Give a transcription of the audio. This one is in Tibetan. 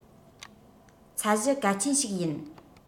ཚད གཞི གལ ཆེན ཞིག ཡིན